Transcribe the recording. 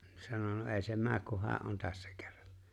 no sanoi no ei se mene kun hän on tässä kerran